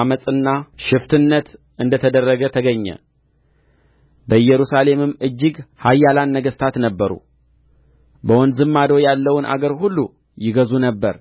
ዓመፅና ሽፍትነት እንደ ተደረገ ተገኘ በኢየሩሳሌምም እጅግ ኃያላን ነገሥታት ነበሩ በወንዝም ማዶ ያለውን አገር ሁሉ ይገዙ ነበር